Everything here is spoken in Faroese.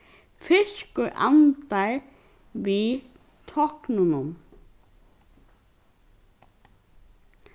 fiskur andar við táknunum